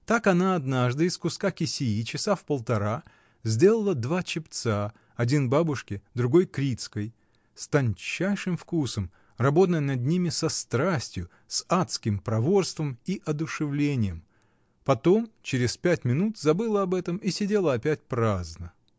Так она однажды из куска кисеи часа в полтора сделала два чепца, один бабушке, другой — Крицкой, с тончайшим вкусом, работая над ними со страстью, с адским проворством и одушевлением, потом через пять минут забыла об этом и сидела опять праздно.